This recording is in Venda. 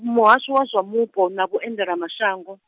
Muhasho wa zwa Mupo na Vhuendelamashango.